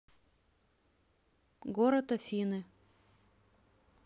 город афины